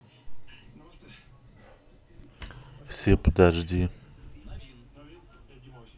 все подожди